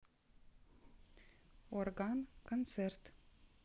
орган концерт